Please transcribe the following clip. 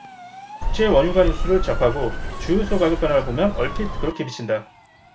국제 원유가 뉴스를 접하고 주유소 가격 변화를 보면 얼핏 그렇게 비친다